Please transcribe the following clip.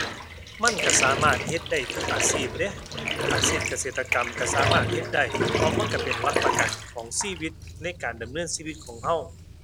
มันก็สามารถเฮ็ดได้ทุกอาชีพเดะ อาชีพเกษตรกรรมก็สามารถเฮ็ดได้ เพราะมันก็เป็นหลักประกันของชีวิตในการดำเนินชีวิตของก็